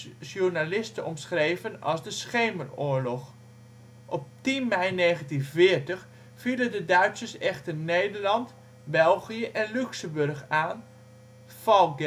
journalisten omschreven als de Schemeroorlog. Op 10 mei 1940 vielen de Duitsers echter Nederland, België en Luxemburg aan (Fall